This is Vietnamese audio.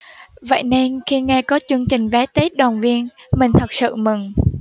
vậy nên khi nghe có chương trình vé tết đoàn viên mình thực sự mừng